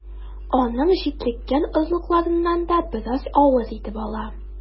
Аның җитлеккән орлыкларыннан да бераз авыз итеп ала.